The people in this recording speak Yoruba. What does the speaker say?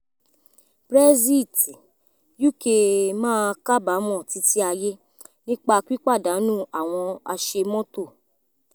Brexit: UK ‘má kábámọ̀ títí ayé’ nípa pípàdńu àwọn àṣemọ́tò